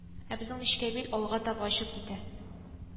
Ә безнең нечкәбил алага таба очып китә